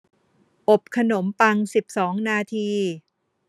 อบขนมปังสิบสองนาที